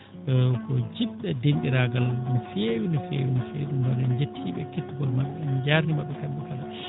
ko jiɗɗo denɗiraagal no feewi no feewi no feewi ɗum noon en njettii ɓe e kettagol maɓɓe en njaarniima ɓe kamɓe kala